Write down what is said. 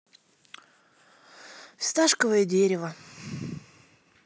фисташковое дерево